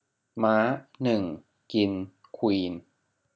ม้าหนึ่งกินควีน